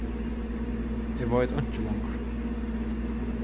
eg veit einki longur